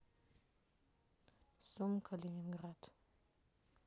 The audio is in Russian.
сумка ленинград